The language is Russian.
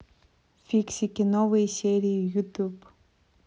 фиксики новые серии ютуб